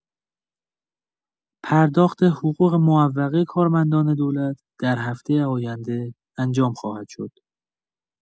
پرداخت حقوق معوقه کارمندان دولت در هفته آینده انجام خواهد شد.